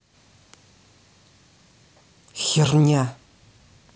херня